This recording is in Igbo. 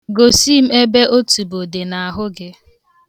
Gosi m ebe otubo dị n'ahụ gị.